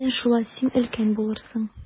Менә шулай, син өлкән булырсың.